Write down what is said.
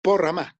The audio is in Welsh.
bora' 'ma